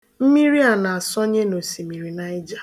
Mmiri a na-asọnye na osimiri Niger